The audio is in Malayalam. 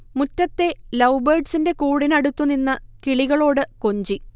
മുറ്റത്തെ ലൗബേഡ്സിന്റെ കൂടിനടുത്ത് നിന്ന് കിളികളോട് കൊഞ്ചി